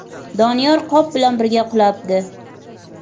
doniyor qop bilan birga qulabdi